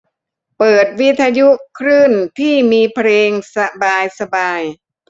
เปิดวิทยุคลื่นที่มีเพลงสบายสบาย